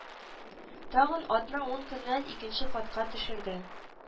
Тагын атна-ун көннән икенче катка төшәргә